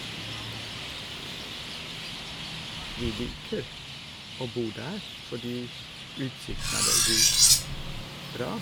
Vi liker å bo der fordi utsikten er veldig bra.